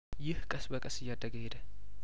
ይህ ቀስ በቀስ እያደገ ሄደ